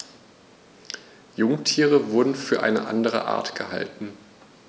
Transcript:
Jungtiere wurden für eine andere Art gehalten.